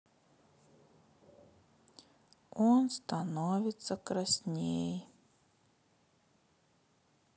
он становится красней